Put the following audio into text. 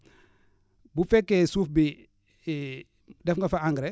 bu fekkee suuf bi def nga fa engrais